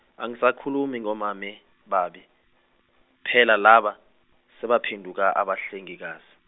angisakhulumi ngomame baba, phela laba sebaphenduka abahlengikazi.